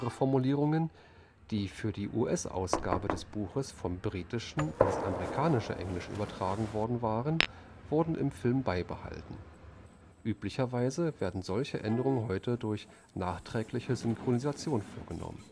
Formulierungen, die für die US-Ausgabe des Buches vom britischen ins amerikanische Englisch übertragen worden waren, wurden im Film beibehalten. Üblicherweise werden solche Änderungen heute durch nachträgliche Synchronisation vorgenommen